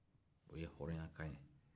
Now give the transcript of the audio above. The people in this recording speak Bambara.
o ye hɔrɔnya kan ye